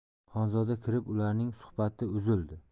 xonzoda kirib ularning suhbati uzildi